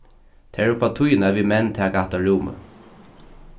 tað er uppá tíðina at vit menn taka hatta rúmið